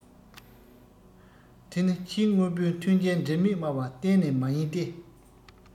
དེ ནི ཕྱིའི དངོས པོའི མཐུན རྐྱེན འབྲེལ མེད སྨྲ བ གཏན ནས མ ཡིན ཏེ